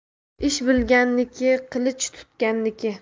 ish bilganniki qilich tutganniki